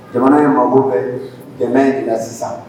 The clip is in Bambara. Jamana in mago bɛ dɛmɛ de la sisan.